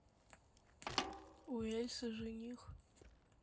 у эльзы жених